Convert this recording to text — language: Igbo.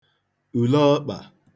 ùleọkpà